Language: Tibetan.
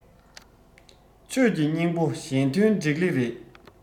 ཆོས ཀྱི སྙིང པོ གཞན དོན འགྲིག ལེ རེད